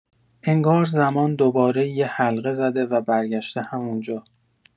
انگار زمان دوباره یه حلقه‌زده و برگشته همون‌جا.